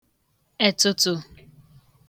ètụ̀tụ̀